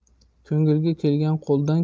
ko'ngilga kelgan qo'ldan